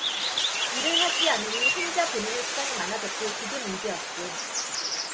일을 하지 않으니 혼자 보내는 시간이 많아졌고 그게 문제였죠